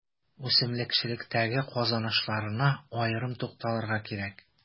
Үсемлекчелектәге казанышларына аерым тукталырга кирәк.